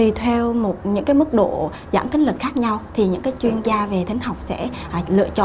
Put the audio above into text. tùy theo một những cái mức độ giảm thính lực khác nhau thì những các chuyên gia về thính học sẽ lựa chọn